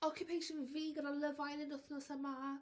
Occupation fi gyda Love Island wythnos yma...